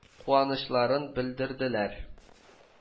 Куанычларын белдерделәр